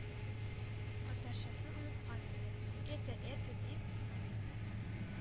Атарчасын оныткан иде. это, это дип,